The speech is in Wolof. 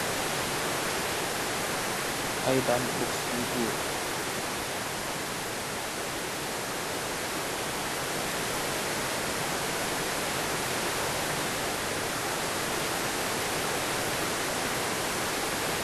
Ay daala buds yu goor.